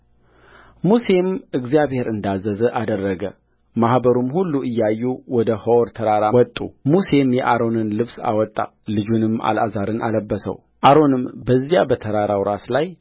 ሙሴም እግዚአብሔር እንዳዘዘ አደረገ ማኅበሩም ሁሉ እያዩ ወደ ሖር ተራራ ወጡሙሴም የአሮንን ልብስ አወጣ ልጁንም አልዓዛርን አለበሰው አሮንም በዚያ በተራራው ራስ ላይ